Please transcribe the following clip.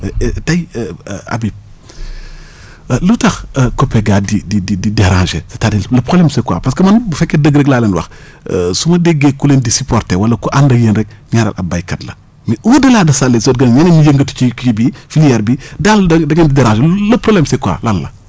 et et tey Habib lu tax COPEGA di di di dérangé c' est à dire le problème c' est quoi parce que man bu fekkee dëgg rek laa leen wax su ma déggee ku leen di supporté wala ku ànd ak yéen rek ñaareel ab béykat la mais au delà de ça les orga ñeneen ñiy yëngatu ci kii bi filière bi daal da da ngeen di dérangé le problème c' est quoi lan la